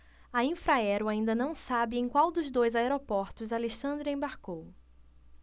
a infraero ainda não sabe em qual dos dois aeroportos alexandre embarcou